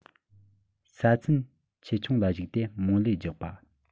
ས ཚན ཆེ ཆུང ལ གཞིགས ཏེ རྨོ ལས རྒྱག པ